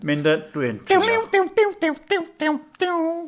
Mynd y- dwi'n...